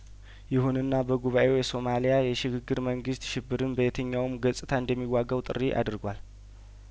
ይሁንና በጉባኤው የሶማሊያ የሽግግር መንግስት ሽብርን በየትኛውም ገጽታ እንደሚዋጋው ጥሪ አድርጓል